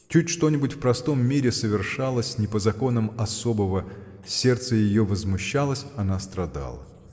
Чуть что-нибудь в простом мире совершалось не по законам особого сердце ее возмущалось она страдала.